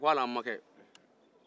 a ko hali an makɛ